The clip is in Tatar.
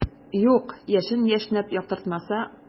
Юк, яшен яшьнәп яктыртмаса.